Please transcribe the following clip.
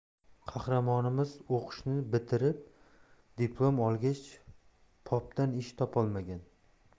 qahramonimiz o'qishni bitirib diplom olgach popdan ish topolmagan